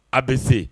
A bɛ se